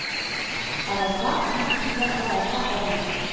Ә Вафа һаман кеше белән аралаша алмады